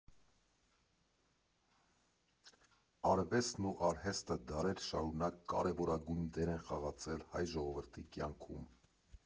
Արվեստն ու արհեստը դարեր շարունակ կարևորագույն դեր են խաղացել հայ ժողովրդի կյանքում։